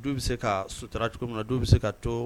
Du bɛ se ka sutura cogo min na du bɛ se ka to